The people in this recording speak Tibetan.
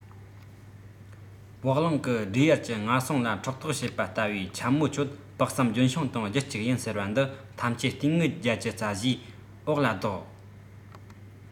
འོག རླུང གི སྒྲས དབྱར གྱི རྔ བསངས ལ ཕྲག དོག བྱེད པ ལྟ བུའི འཁྱམས མོ ཁྱོད དཔག བསམ ལྗོན ཤིང དང རྒྱུད གཅིག ཡིན ཟེར བ འདི ཐམས ཅད ལྟས ངན བརྒྱད ཅུ རྩ བཞིའི འོག ལ བཟློག